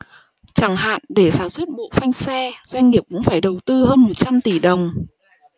chẳng hạn để sản xuất bộ phanh xe doanh nghiệp cũng phải đầu tư hơn một trăm tỷ đồng